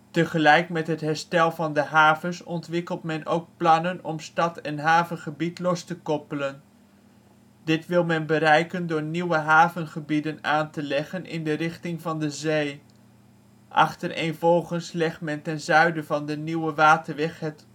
Tegelijk met het herstel van de havens ontwikkelt men ook plannen om stad en havengebied los te koppelen. Dit wil men bereiken door nieuwe havengebieden aan te leggen in de richting van de zee. Achtereenvolgens legt men ten zuiden van de Nieuwe Waterweg het